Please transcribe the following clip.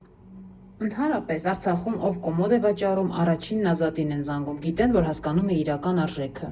Ընդհանրապես, Արցախում ով կոմոդ է վաճառում, առաջինն Ազատին են զանգում, գիտեն, որ հասկանում է իրական արժեքը։